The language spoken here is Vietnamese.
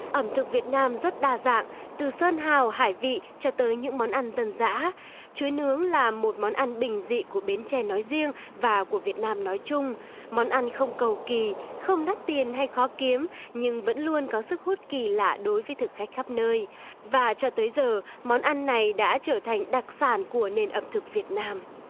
ẩm thực việt nam rất đa dạng từ sơn hào hải vị cho tới những món ăn dân dã chuối nướng là một món ăn bình dị của bến tre nói riêng và của việt nam nói chung món ăn không cầu kì không đắt tiền hay khó kiếm nhưng vẫn luôn có sức hút kỳ lạ đối với thực khách khắp nơi và cho tới giờ món ăn này đã trở thành đặc sản của nền ẩm thực việt nam